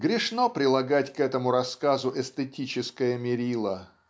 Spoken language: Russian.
грешно прилагать к этому рассказу эстетическое мерило.